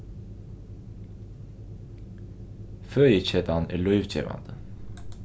føðiketan er lívgevandi